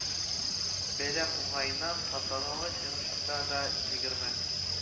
Бәйрәм уңаеннан тантаналы чыгышында да егерме